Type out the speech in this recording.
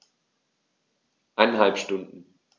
Eineinhalb Stunden